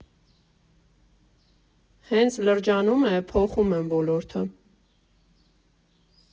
Հենց լրջանում է, փոխում եմ ոլորտը։